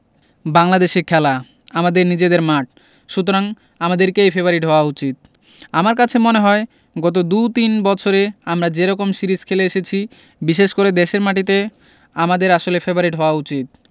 বাংলাদেশে খেলা আমাদের নিজেদের মাঠ সুতরাং আমাদেরকেই ফেবারিট হওয়া উচিত আমার কাছে মনে হয় গত দুতিন বছরে আমরা যে রকম সিরিজ খেলে এসেছি বিশেষ করে দেশের মাটিতে আমাদের আসলে ফেবারিট হওয়া উচিত